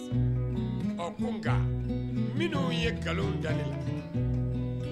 Ɔ ko nkaa minnu ye nkaloon da ne la